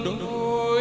bờ